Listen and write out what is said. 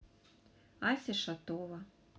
ася шатова